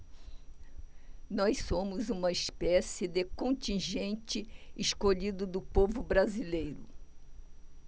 nós somos uma espécie de contingente escolhido do povo brasileiro